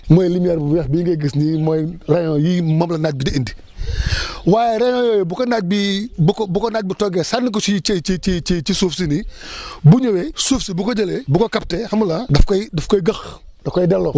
mooy lumière bu weex bii ngay gis nii mooy rayon yii moom la naaj bi di indi waaye rayons yooyu bu ko naaj bi bu ko bu ko naaj bi toggee sànni ko ci ci ci ci ci suuf si nii bu ñëweesuuf si bu ko jëlee bu ko capter xam nga lu ma wax ah daf koy daf koy gëq da koy delloo